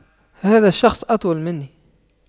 هذا الشخص أطول مني